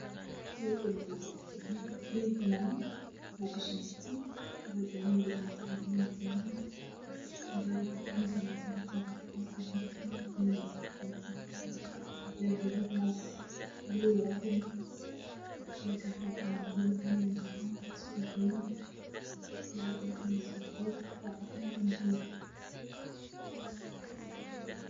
Waa meel qashin lagu guraayo waxay joogaan niman iyo naago waxa wataan shar cagaar